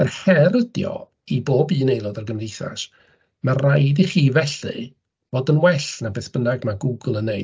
Yr her ydi o i bob un aelodau'r gymdeithas, ma' raid i chi felly fod yn well na beth bynnag ma' Google yn wneud.